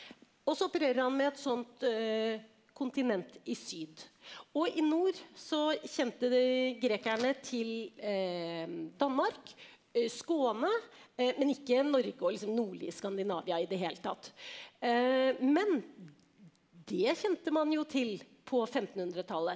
også opererer han med et sånt kontinent i syd og i nord så kjente de grekerne til Danmark, Skåne men ikke Norge og liksom nordlige Skandinavia i det hele tatt, men det kjente man jo til på femtenhundretallet.